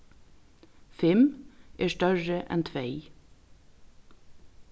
fimm er størri enn tvey